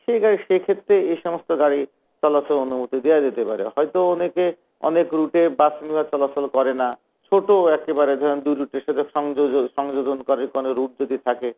সেক্ষেত্রে এ সমস্ত গাড়ি চলাচলের অনুমতি দেয়া যেতে পারে হয়তো অনেকে অনেক রুটে বাস চলাচল করে না ছোট একেবারে ধরেন ২ রুটের সাথে সংযোজনকারি কোন রুট যদি থাকে